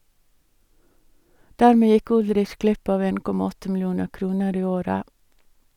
Dermed gikk Ullrich glipp av 1,8 millioner kroner i året.